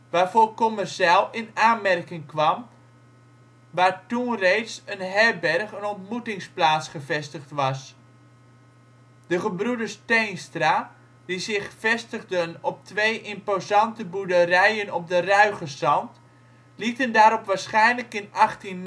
waarvoor Kommerzijl in aanmerking kwam, waar toen reeds een herberg (ontmoetingsplaats) gevestigd was. De gebroeders Teenstra, die zich vestigden op twee imposante boerderijen op de Ruigezand, lieten daarop waarschijnlijk in 1809 (toen werd een leraar aangetrokken